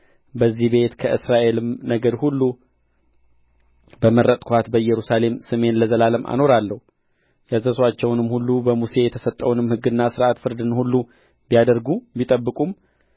በዚህ ቤት ከእስራኤልም ነገድ ሁሉ በመረጥኋት በኢየሩሳሌም ስሜን ለዘላለም አኖራለሁ ያዘዝኋቸውንም ሁሉ በሙሴ የተሰጠውን ሕግና ሥርዓት ፍርድንም ሁሉ ቢያደርጉ ቢጠብቁም